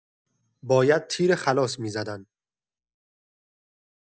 باید تیر خلاص می‌زدن.